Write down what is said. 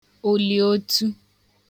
òliodtu